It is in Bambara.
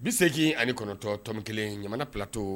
Bisɛji ani kɔnɔntɔn tɔ kelen jamana pto